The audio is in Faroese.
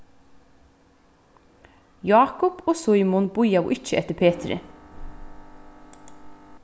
jákup og símun bíðaðu ikki eftir peturi